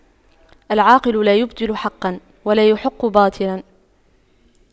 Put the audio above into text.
العاقل لا يبطل حقا ولا يحق باطلا